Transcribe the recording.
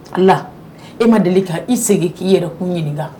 A e ma deli k ka i segin k'i yɛrɛ k' ɲininka